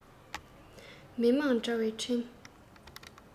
མི དམངས དྲ བའི འཕྲིན